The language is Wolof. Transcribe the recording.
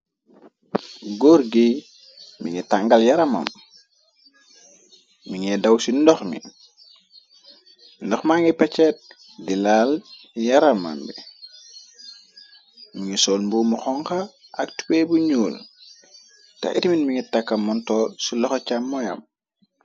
Gor gi mi ngi tangal yaramam mi ngiy daw ci ndox mi ndox ma ngi pecchet di laal yaramam bi mi ngi sool mboomu xonxa ak tuwee bu ñuul te itmin mi ngi takka montoor ci loxo cam moyam.